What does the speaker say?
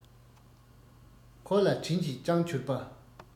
འཁོར ལ དྲིན གྱིས བསྐྱངས གྱུར པ